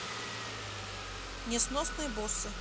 несносные боссы